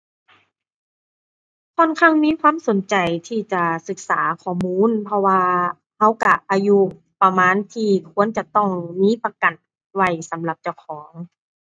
ค่อนข้างมีความสนใจที่จะศึกษาข้อมูล เพราะว่าเราเราอายุประมาณที่ควรจะต้องมีประกันไว้สำหรับเจ้าของ